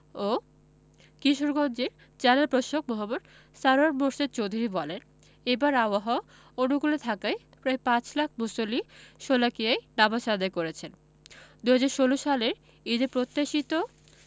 ও কিশোরগঞ্জের জেলা প্রশাসক মো. সারওয়ার মুর্শেদ চৌধুরী বলেন এবার আবহাওয়া অনুকূলে থাকায় প্রায় পাঁচ লাখ মুসল্লি শোলাকিয়ায় নামাজ আদায় করেছেন ২০১৬ সালের ঈদের প্রত্যাশিত